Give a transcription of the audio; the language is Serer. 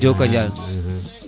jokonjal